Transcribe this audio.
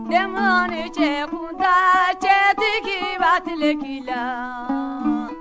denmusonin cɛkuntan cɛtigi b'a tile k'i la